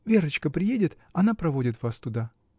— Верочка приедет, она проводит вас туда.